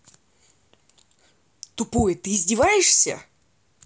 тупой ты издеваешься